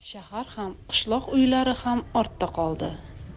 shahar ham qishloq uylari ham ortda qoldi